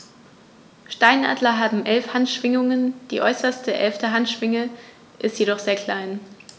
Steinadler haben 11 Handschwingen, die äußerste (11.) Handschwinge ist jedoch sehr klein.